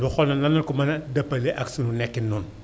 ñu xool nag nan la ñu ko mën dëppalee ak sunu nekkin ñun